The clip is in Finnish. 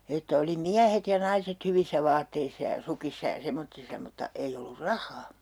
että oli miehet ja naiset hyvissä vaatteissa ja sukissa ja semmoisissa mutta ei ollut rahaa